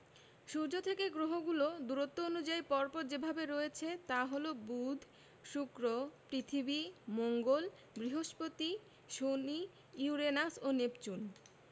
সূর্য থেকে গ্রহগুলো দূরত্ব অনুযায়ী পর পর যেভাবে রয়েছে তা হলো বুধ শুক্র পৃথিবী মঙ্গল বৃহস্পতি শনি ইউরেনাস এবং নেপচুন